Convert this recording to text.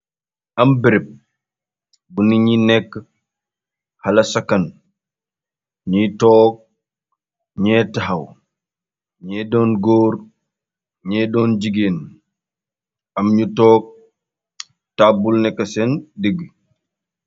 Am bereb, bu na ñi nekk xala sakan ñuy toog, ñee taahaw, ñee doon góor, ñee doon jigéen. Am ñu toog tabbul nekk sen digg.